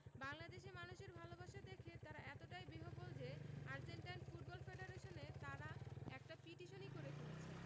বাংলাদেশের মানুষের ভালোবাসা দেখে তারা এতটাই বিহ্বল যে আর্জেন্টাইন ফুটবল ফেডারেশনে তারা একটা পিটিশনই করে ফেলেছে